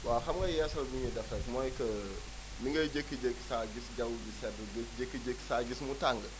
waaw xam nga yeesal bi ñuy def rek mooy que ni ngay jékki-jékki saa gis jawwu ji sedd nga jékki-jékki saa gis mu tàng